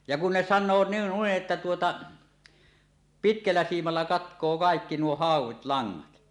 ja kun ne sanoo - noin että tuota pitkällä siimalla katkoo kaikki nuo hauet langat